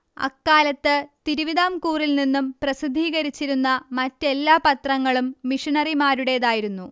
അക്കാലത്ത് തിരുവിതാംകൂറിൽ നിന്നും പ്രസിദ്ധീകരിച്ചിരുന്ന മറ്റെല്ലാ പത്രങ്ങളും മിഷണറിമാരുടേതായിരുന്നു